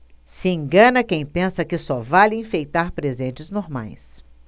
se engana quem pensa que só vale enfeitar presentes normais